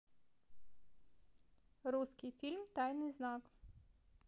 русский фильм тайный знак